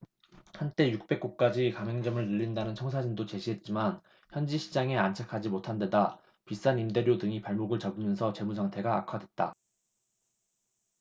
한때 육백 곳까지 가맹점을 늘린다는 청사진도 제시했지만 현지 시장에 안착하지 못한데다 비싼 임대료 등이 발목을 잡으면서 재무상태가 악화됐다